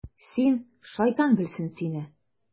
Син, шайтан белсен сине...